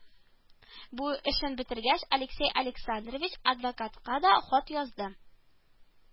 Бу эшен бетергәч, Алексей Александрович адвокатка да хат язды